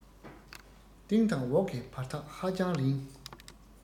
སྟེང དང འོག གི བར ཐག ཧ ཅང རིང